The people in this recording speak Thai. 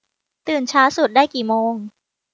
ตื่นช้าสุดได้กี่โมง